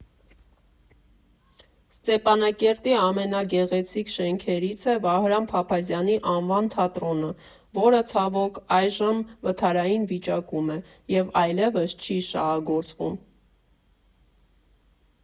Ստեփանակերտի ամենագեղեցիկ շենքերից է Վահրամ Փափազյանի անվան թատրոնը, որը, ցավոք, այժմ վթարային վիճակում է և այլևս չի շահագործվում։